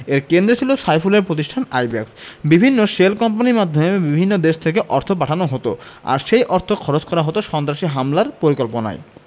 এর কেন্দ্রে ছিল সাইফুলের প্রতিষ্ঠান আইব্যাকস বিভিন্ন শেল কোম্পানির মাধ্যমে বিভিন্ন দেশ থেকে অর্থ পাঠানো হতো আর সেই অর্থ খরচ করা হতো সন্ত্রাসী হামলার পরিকল্পনায়